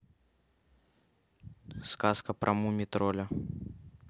сказка про муми тролля